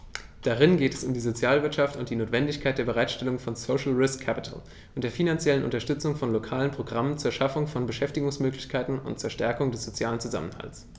Darin geht es um die Sozialwirtschaft und die Notwendigkeit der Bereitstellung von "social risk capital" und der finanziellen Unterstützung von lokalen Programmen zur Schaffung von Beschäftigungsmöglichkeiten und zur Stärkung des sozialen Zusammenhalts.